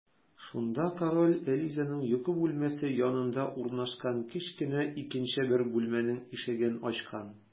Шунда король Элизаның йокы бүлмәсе янында урнашкан кечкенә икенче бер бүлмәнең ишеген ачкан.